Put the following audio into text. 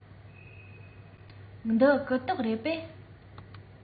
འདི སྟག རེད པས